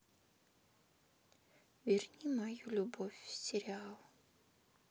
верни мою любовь сериал